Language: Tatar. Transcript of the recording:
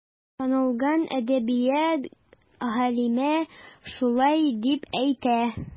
Танылган әдәбият галиме шулай дип әйтә.